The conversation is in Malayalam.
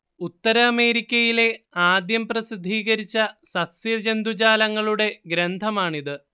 ഉത്തര അമേരിക്കയിലെ ആദ്യം പ്രസിദ്ധീകരിച്ച സസ്യ ജന്തുജാലങ്ങളുടെ ഗ്രന്ഥമാണിത്